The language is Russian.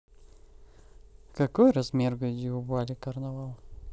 какой размер груди у вали карнавал